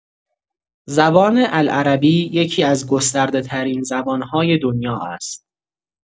زبان العربی یکی‌از گسترده‌‌ترین زبان‌های دنیا است.